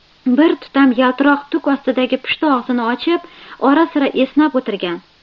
bir tutam yaltiroq tuk ostidagi pushti og'zini ochib ora sira esnab o'tirgan